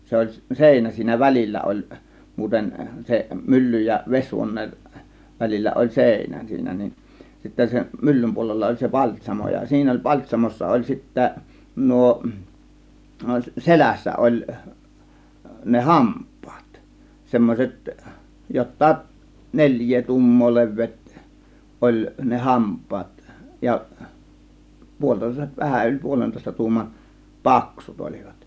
se oli seinä siinä välillä oli muuten sen myllyn ja vesihuoneen välillä oli seinä siinä niin sitten sen myllyn puolella oli se paltsamo ja siinä oli paltsamossa oli sitten nuo selässä oli ne hampaat semmoiset jotakin neljää tuumaa leveät oli ne hampaat ja - vähän yli puolentoista tuuman paksut olivat